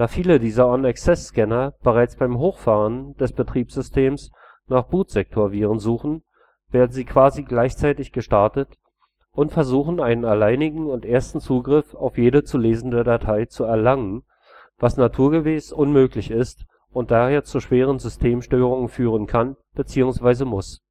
viele dieser On-Access-Scanner bereits beim Hochfahren des Betriebssystems nach Bootsektorviren suchen, werden sie quasi gleichzeitig gestartet und versuchen einen alleinigen und ersten Zugriff auf jede zu lesende Datei zu erlangen, was naturgemäß unmöglich ist und daher zu schweren Systemstörungen führen kann bzw. muss